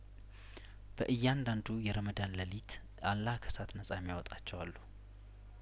በእያንዳንዱ የረመዳን ለሊት አላህ ከእሳት ነጻ የሚያወጣቸው አሉ